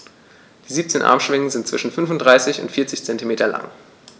Die 17 Armschwingen sind zwischen 35 und 40 cm lang.